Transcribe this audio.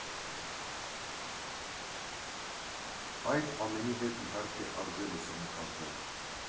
Այդ ամենի հետ, իհարկե, արժե լուսանկարվել։